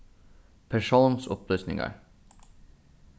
persónsupplýsingar